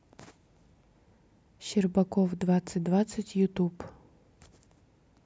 щербаков двадцать двадцать ютуб